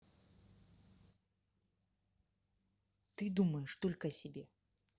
ты думаешь только о себе